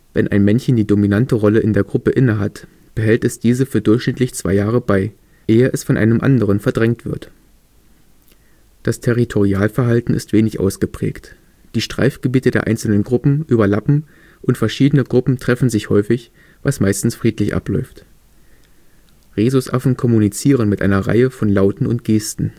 Wenn ein Männchen die dominante Rolle in der Gruppe innehat, behält es diese für durchschnittlich zwei Jahre bei, ehe es von einem anderen verdrängt wird. Das Territorialverhalten ist wenig ausgeprägt: Die Streifgebiete der einzelnen Gruppen überlappen und verschiedene Gruppen treffen sich häufig, was meistens friedlich abläuft. Rhesusaffen kommunizieren mit einer Reihe von Lauten und Gesten